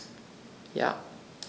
Ja.